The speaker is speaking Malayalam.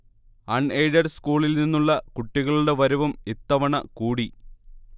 അൺ എയ്ഡഡ് സ്കൂളിൽനിന്നുള്ള കുട്ടികളുടെ വരവും ഇത്തവണ കൂടി